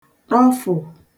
ṭọfụ̀